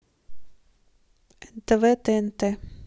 нтв тнт